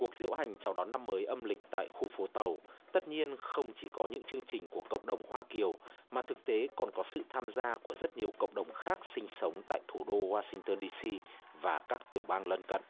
cuộc diễu hành chào đón năm mới âm lịch tại khu phố tàu tất nhiên không chỉ có những chương trình của cộng đồng hoa kiều mà thực tế còn có sự tham gia của rất nhiều cộng đồng khác sinh sống tại thủ đô goa sinh tơn đi xi và các tiểu bang lân cận